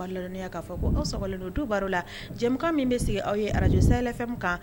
'a ko aw sago don baro la jama min bɛ sigi aw ye araj samu kan